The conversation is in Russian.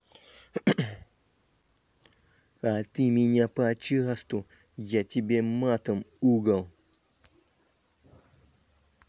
а ты меня почасту я тебе матом угол